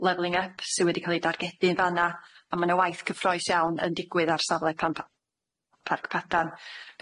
lefyling yp sy wedi ca'l ei dargedu yn fan'a a ma' 'na waith cyffrous iawn yn digwydd ar safle plan- pa- Parc Padarn.